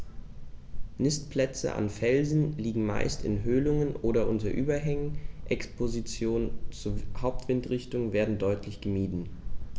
Nistplätze an Felsen liegen meist in Höhlungen oder unter Überhängen, Expositionen zur Hauptwindrichtung werden deutlich gemieden.